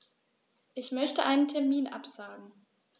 Ich möchte einen Termin absagen.